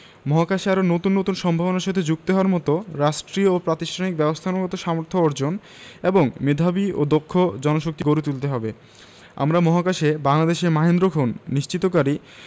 মহাকাশে আরও নতুন নতুন সম্ভাবনার সাথে যুক্ত হওয়ার মতো রাষ্ট্রীয় ও প্রাতিষ্ঠানিক ব্যবস্থাপনাগত সামর্থ্য অর্জন এবং মেধাবী ও দক্ষ জনশক্তি গড়ে তুলতে হবে আমরা মহাকাশে বাংলাদেশের মাহেন্দ্রক্ষণ নিশ্চিতকারী